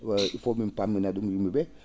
il faut mim paammina ?um yim?e ?e